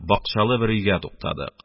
Бакчалы бер өйгә туктадык.